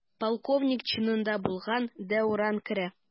Полковник чинында булган Дәүран керә.